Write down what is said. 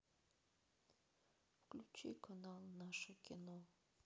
включи канал наше кино